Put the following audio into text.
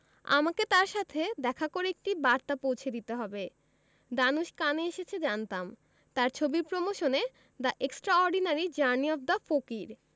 আমাকে তার সাথে দেখা করে একটি বার্তা পৌঁছে দিতে হবে ধানুশ কানে এসেছে জানতাম তার ছবির প্রমোশনে the extraordinary journey of the Fakir